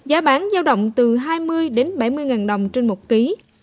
giá bán dao động từ hai mươi đến bảy mươi ngàn đồng trên một kí